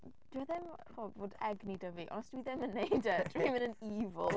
Dyw e ddim chimod bod egni 'da fi, ond os dwi ddim yn wneud e dwi'n mynd yn evil.